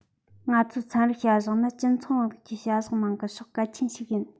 ང ཚོའི ཚན རིག བྱ གཞག ནི སྤྱི ཚོགས རིང ལུགས ཀྱི བྱ གཞག ནང གི ཕྱོགས གལ ཆེན ཞིག ཡིན